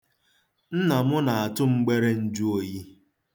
Nna m na-atụ mgbere njụoyi.